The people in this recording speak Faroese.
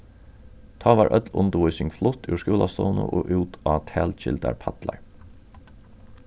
tá varð øll undirvísing flutt úr skúlastovuni og út á talgildar pallar